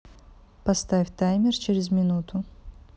поставь таймер через минуту